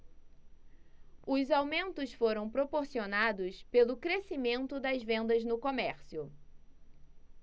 os aumentos foram proporcionados pelo crescimento das vendas no comércio